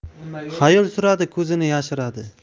xayol suradi ko'zini yashiradi